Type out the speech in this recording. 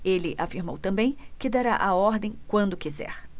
ele afirmou também que dará a ordem quando quiser